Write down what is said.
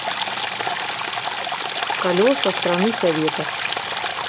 колеса страны советов